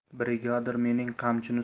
brigadir mening qamchini